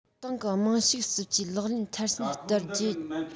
ཏང གི དམངས ཕྱུག སྲིད ཇུས ལག ལེན མཐར ཕྱིན བསྟར རྒྱུ མཐའ འཁྱོངས བྱེད པ